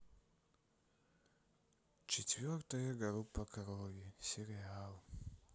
четвертая группа крови сериал